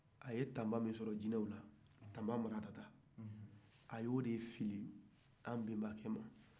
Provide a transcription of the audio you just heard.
a ye tama min sɔrɔ jinɛw bolo tama maratata a y'o de fili an benbakɛ ma